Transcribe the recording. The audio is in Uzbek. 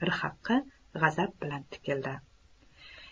rhaqga g'azab bilan tikildi